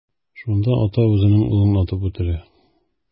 Шунда ата үзенең улын атып үтерә.